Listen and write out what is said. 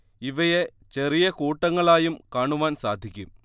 ഇവയെ ചെറിയ കൂട്ടങ്ങളായും കാണുവാൻ സാധിക്കും